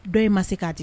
Dɔw ye ma se k'a di